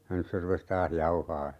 ja nyt se rupesi taas jauhamaan